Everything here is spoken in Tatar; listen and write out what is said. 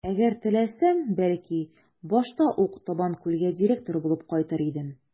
Әгәр теләсәм, бәлки, башта ук Табанкүлгә директор булып кайтыр идем.